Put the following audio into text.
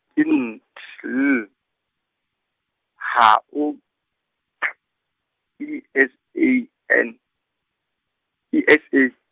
-e M T L, H O, K, E S A N, E S A.